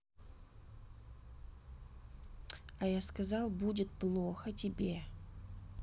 а я сказал будет плохо тебе